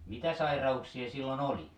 mitä sairauksia silloin oli